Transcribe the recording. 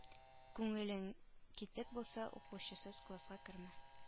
Күңелең китек булса укучысыз класска кермә